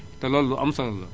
te loolu lu am solo la